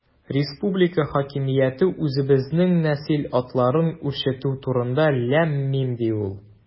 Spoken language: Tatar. Республика хакимияте үзебезнең нәсел атларын үрчетү турында– ләм-мим, ди ул.